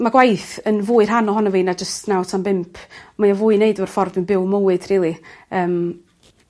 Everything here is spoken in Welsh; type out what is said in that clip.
Ma' gwaith yn fwy rhan ohono fi na jyst naw tan bump mae o fwy i neud efo'r ffordd dwi'n byw mywyd rili. Yym.